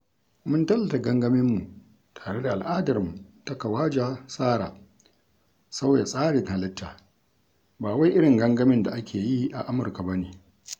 Mun tallata gangaminmu tare da al'adarmu ta KhawajaSara (sauya tsarin halitta) ba wai irin gangamin da ake yi a Amurka ba ne.